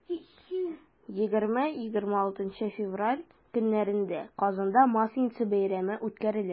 20-26 февраль көннәрендә казанда масленица бәйрәме үткәрелә.